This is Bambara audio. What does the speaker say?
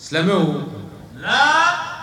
Silamɛw laa